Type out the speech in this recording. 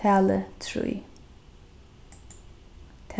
talið trý